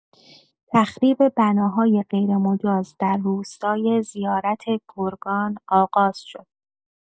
تخریب بناهای غیرمجاز در روستای زیارت گرگان آغاز شد.